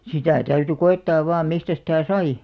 sitä täytyi koettaa vain mistä sitä sai